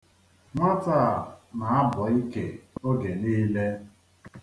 Nwata a na-abọ ike oge niile.